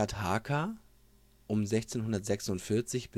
Haka (um 1646